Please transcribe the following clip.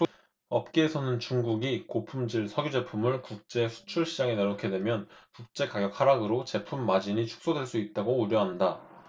업계에서는 중국이 고품질 석유 제품을 국제 수출 시장에 내놓게 되면 국제가격 하락으로 제품 마진이 축소될 수 있다고 우려한다